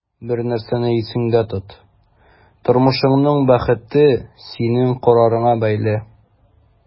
Бер нәрсәне исеңдә тот: тормышыңның бәхете синең карарыңа бәйле.